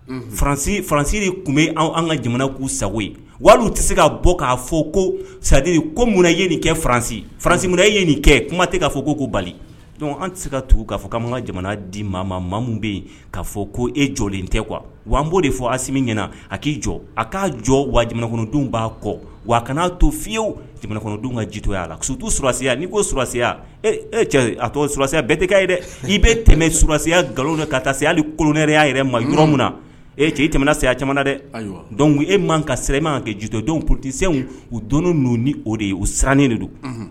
Faransi de tun bɛ ka jamana'u sagogo ye waga tɛ se k kaa bɔ k'a fɔ ko sadiri ko munna ye nin kɛ faransi faransi minɛ ye nin kɛ kuma tɛ k'a fɔ ko ko bali an tɛ se ka tugu k'a fɔ' ka jamana di maa ma bɛ yen k'a fɔ ko e jɔlen tɛ kuwa wa an b'o de fɔ a si ɲɛna a k'i jɔ a k'a jɔ wa jamana dun b'a kɔ wa kana'a to fiyewu jamana kɔnɔn dun ka jitoya a la sutu suuralasiya n'i ko sulasiya cɛ a tɔ sulaya bɛɛ tɛ ye dɛ ii bɛ tɛmɛ sulasiya nkalon ka taa se hali kolonɛ yya yɛrɛ ma yɔrɔ min na e cɛ ye tɛmɛna sayaya caman dɛ dɔnku e man ka sirama kan kɛ jutedenw ptesɛw u don ninnu ni o de ye u sirannen de don